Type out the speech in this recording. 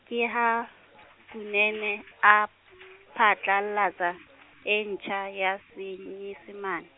ke ha, Kunene a phatlallatsa, e ntjha ya Senyesemane.